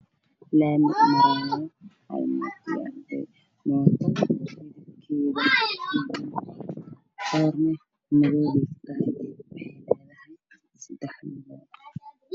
Waa lami waxaa maraayo bajaaj kalarkeedu yahay gudoomiye wiilal u socdaan iskool jaalo xutaan